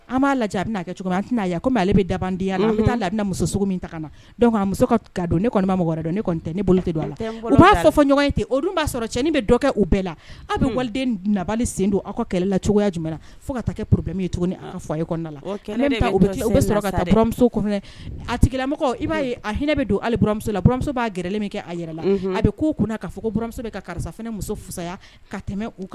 A'a bɛ bɛɛ la aw bɛ waliden sen don aw ka kɛlɛlacogoya jumɛn fo ka kɛ p min cogo a kada lamuso a tigilamɔgɔ b'a a hinɛ bɛ donmusomuso'a g min kɛ a yɛrɛ la a bɛ ko kunna fɔmuso karisa musoya tɛmɛ